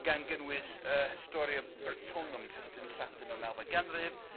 Gan gynnwys yy Historia Britonwm testyn Lladin o'r nawfed ganrif